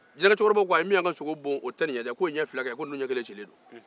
jinɛ cɛkɔrɔbaw ko min y'an kaa sogo bon k'o tɛ nin ye k'o ɲɛ fila ka ɲi ko nin ɲɛ kelen cilen don